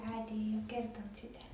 äiti ei ole kertonut sitä